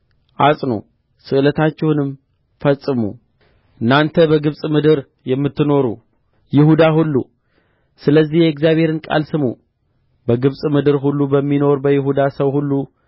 አጽኑ ስእለታችሁንም ፈጽሙ እናንተ በግብጽ ምድር የምትኖሩ ይሁዳ ሁሉ ስለዚህ የእግዚአብሔርን ቃል ስሙ በግብጽ ምድር ሁሉ በሚኖር በይሁዳ ሰው ሁሉ